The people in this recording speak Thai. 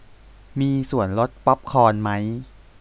มีส่วนลดป๊อปคอร์นมั้ย